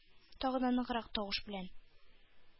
Тагы да ныграк тавыш белән: